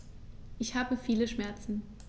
Ich habe viele Schmerzen.